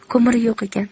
ko'miri yo'q ekan